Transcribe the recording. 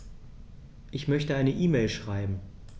Ich möchte eine E-Mail schreiben.